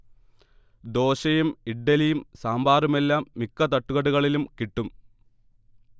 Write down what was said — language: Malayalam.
ദോശയും ഇഡ്ഢലിയും സാമ്പാറുമെല്ലാം മിക്ക തട്ടുകടകളിലും കിട്ടും